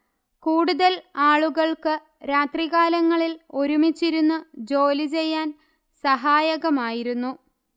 കൂടുതൽ ആളുകൾക്ക് രാത്രികാലങ്ങളിൽ ഒരുമിച്ചിരുന്നു ജോലിചെയ്യാൻ സഹായകമായിരുന്നു